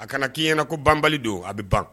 A kana k'iɲɛna ko banbali don a bɛ ban